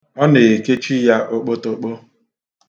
Ọ na-ekechi ya okpotokpo.